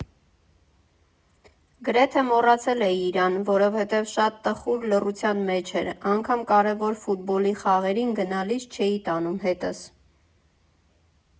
Գրեթե մոռացել էի իրան, որովհետև շատ տխուր լռության մեջ էր, անգամ կարևոր ֆուտբոլի խաղերին գնալիս չէի տանում հետս։